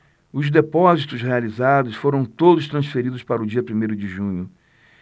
os depósitos realizados foram todos transferidos para o dia primeiro de junho